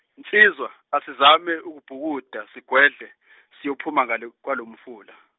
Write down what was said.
nsizwa asizame ukubhukuda sigwedle siyophuma ngale kwalo mfula.